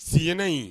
Siɲɛnainɛ yen